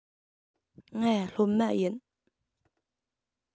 ང སློབ མ ཡིན